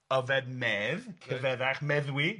ofed medd cyfeddach meddwi... Ia...